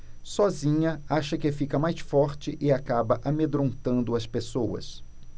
sozinha acha que fica mais forte e acaba amedrontando as pessoas